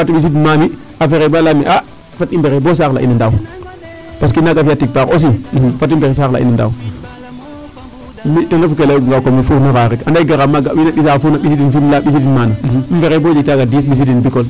A ɓaat o ɓisiidin maa mi' a fexey ba layaam ee a fat i mbexey bo saaxla in a ndaaw parce que ona fi'aa tig paax aussi fat i mbexey saaxla in a ndaax mi' ten ref ke layooguma fagun faak rek ande garaam maaga wiin we ɓisaa foof le ɓisiidin Fimele ɓisiidin maana i mbexeuy bo njeg taaga dix ɓisiidin Bicole.